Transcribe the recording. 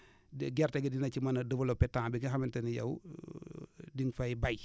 gerte gi dina ci mën a développer temps bi nga xamante ne yow di nga fay bay